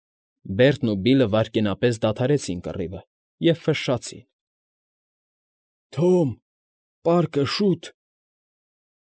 Բերտն ու Բիլլը վայրկենապես դադարեցին կռիվը և ֆշշացին. «Թոմ, պարկը, շո՛ւտ»։